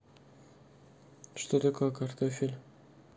что такое картофель